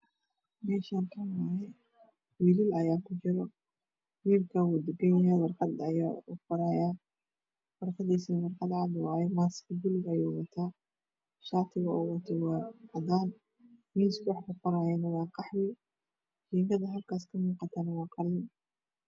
Meeshaan huteel waaye wiilal ayaa kujira. wiilkaan waa tukan yahay warqad ayuu qorahayaa warqaduna waa cadaan. Maski buluug ah ayuu wataa shaati ga uu watana waa cadaan, miiska wax uu kuqorahayana waa qaxwi, jiingada halkaas kamuuqatana waa qalin.